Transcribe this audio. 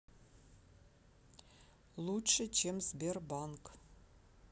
лучше чем сбербанк